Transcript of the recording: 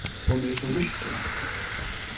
hon er so virkin